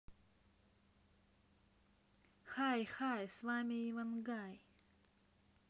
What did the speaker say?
хай хай с вами ивангай